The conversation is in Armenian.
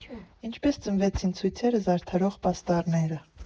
Ինչպես ծնվեցին ցույցերը զարդարող պաստառները։